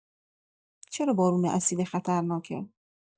چرا بارون اسیدی خطرناکه؟